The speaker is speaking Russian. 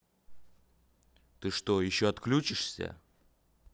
ты что еще отключишься